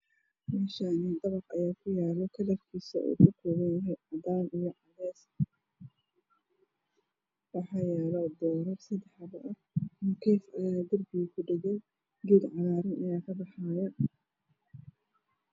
Meeshaani dabaq ayaa kuyaalo kalarkisa cadaan iyo cadays waxaa yaalo boorar sadex xabo mukeef ay ku dhagan darbiga geed cagaaran ayaa ka baxaayo